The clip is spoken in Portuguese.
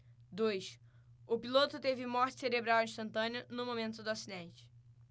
dois o piloto teve morte cerebral instantânea no momento do acidente